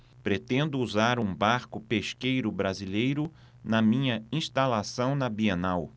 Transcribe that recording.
pretendo usar um barco pesqueiro brasileiro na minha instalação na bienal